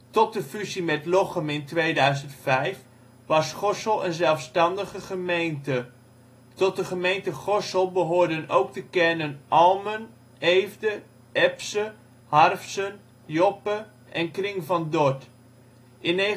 Tot de fusie met Lochem in 2005 was Gorssel een zelfstandige gemeente. Tot de gemeente Gorssel behoorden ook de kernen Almen, Eefde, Epse, Harfsen, Joppe en Kring van Dorth. In 1995